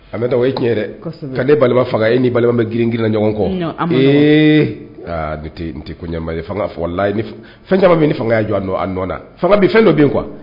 A bɛ e tiɲɛ yɛrɛ ka ne balima fanga e ni balima bɛ girinirinla ɲɔgɔn kɔ ee tɛ komaa ye fanga fɔ la fɛn caman min fanga y' jɔ don a nɔ na bɛ fɛn dɔ bɛ yen qu kuwa